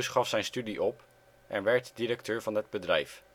gaf zijn studie op en werd directeur van het bedrijf